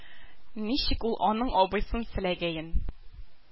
Ничек ул аның абыйсын селәгәен